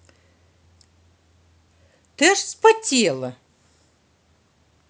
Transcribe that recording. ты аж вспотела